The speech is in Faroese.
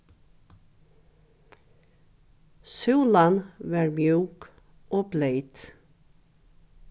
súlan var mjúk og bleyt